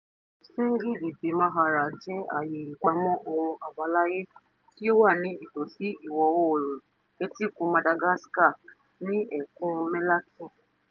Tsingy de Bemaraha jẹ́ àyè ìpamọ́ ohun àbáláyé tí ó wà ní ìtòsí ìwọ̀-oòrùn etíkun Madagascar ní Ẹkùn Melaky.